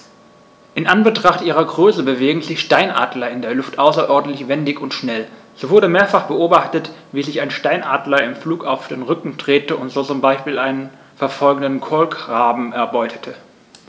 In Anbetracht ihrer Größe bewegen sich Steinadler in der Luft außerordentlich wendig und schnell, so wurde mehrfach beobachtet, wie sich ein Steinadler im Flug auf den Rücken drehte und so zum Beispiel einen verfolgenden Kolkraben erbeutete.